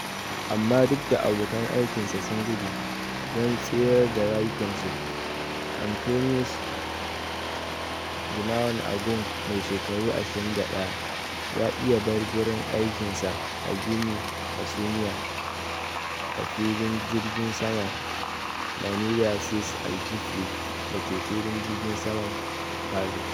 Amma duk da abokan aikin sa sun gudu don tserar da rayukansu, Anthonius Gunawan Agung, mai shekaru 21, ya ki ya bar gurin aikin sa a gini hasumiya a filin jirgin saman Maniara Sis Al Jufri dake filin jirgin saman Palu.